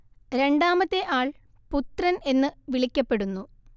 രണ്ടാമത്തെ ആൾ പുത്രൻ എന്ന് വിളിക്കപ്പെടുന്നു